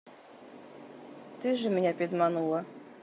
ты же меня пидманула